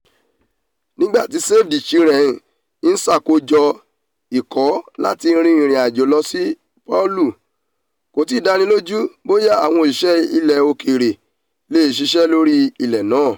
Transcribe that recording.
Nígbà tí Save the Children ń ṣàkójo ikọ̀ láti rin ìrìn àjò lọsí Palu, kò tíì dáni lójú bóyá àwọn òṣìṣẹ́ ilẹ̀ òkèèrè leè ṣiṣẹ́ lórí ilẹ̀ náà.